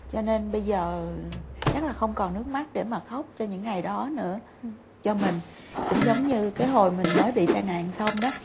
cho nên bây giờ chắc là không còn nước mắt để mà khóc cho những ngày đó nữa cho mình cũng giống như cái hồi mình mới bị tai nạn xong đó